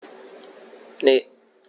Ne.